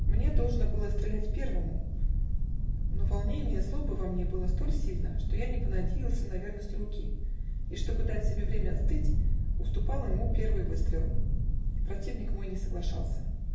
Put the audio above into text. Мне должно было стрелять первому: но волнение злобы во мне было столь сильно, что я не понадеялся на верность руки и, чтобы дать себе время остыть, уступал ему первый выстрел противник мой не соглашался.